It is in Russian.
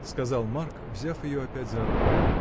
— сказал Марк, взяв ее опять за руку.